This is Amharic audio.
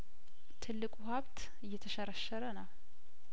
ትልቁ ሀብት እየተሸረሸረ ነው